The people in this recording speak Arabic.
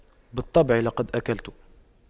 بالطبع لقد أكلت